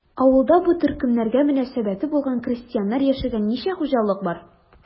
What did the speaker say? Авылда бу төркемнәргә мөнәсәбәте булган крестьяннар яшәгән ничә хуҗалык бар?